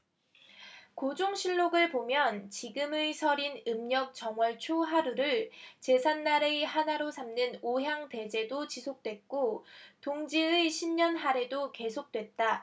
고종실록 을 보면 지금의 설인 음력 정월초하루를 제삿날의 하나로 삼는 오향대제도 지속됐고 동지의 신년하례도 계속됐다